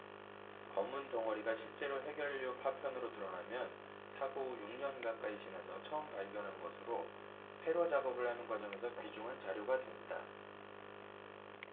검은 덩어리가 실제로 핵연료 파편으로 드러나면 사고 후 육 년 가까이 지나서 처음 발견한 것으로 폐로작업을 하는 과정에서 귀중한 자료가 된다